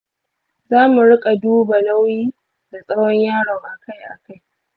za mu riƙa duba nauyi da tsawon yaron akai-akai.